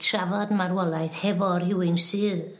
trafod marwolaeth hefo rywun sydd